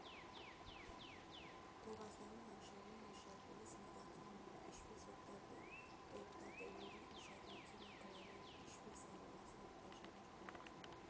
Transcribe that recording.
֊ Գովազդային արշավը մշակելիս մտածում էինք՝ ինչպե՞ս օգտատերերի ուշադրությունը գրավել, ինչպես ավելացնել բաժանորդների թիվը։